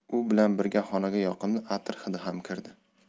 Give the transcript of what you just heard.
u bilan birga xonaga yoqimli atir hidi ham kirdi